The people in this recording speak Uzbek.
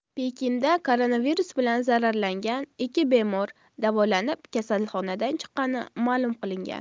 pekinda koronavirus bilan zararlangan ikki bemor davolanib kasalxonadan chiqqanini ma'lum qilgan